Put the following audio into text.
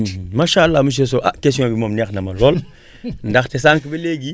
macha allah monsieur Sow ah question bi moom neex na ma lool ndaxte sànq ba léegi